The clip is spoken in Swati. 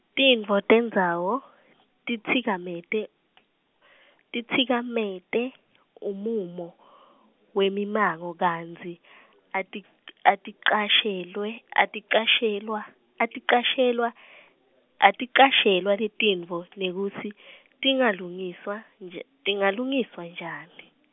tintfo tendzawo titsikameta titsikamete umumo wemimango kantsi ati- aticashelwe aticashelwa aticashelwa aticashelwa letintfo nekutsi tingalungiswa nj- tingalungiswa njani.